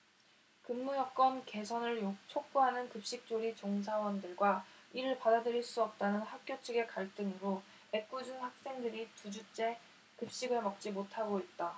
근무여건 개선을 촉구하는 급식 조리 종사원들과 이를 받아들일 수 없다는 학교 측의 갈등으로 애꿎은 학생들이 두 주째 급식을 먹지 못하고 있다